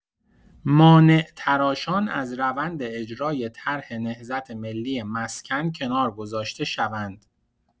مانع‌تراشان از روند اجرای طرح نهضت ملی مسکن کنار گذاشته شوند.